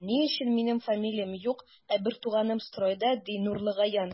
Ни өчен минем фамилиям юк, ә бертуганым стройда, ди Нурлыгаян.